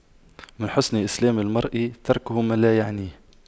من حسن إسلام المرء تَرْكُهُ ما لا يعنيه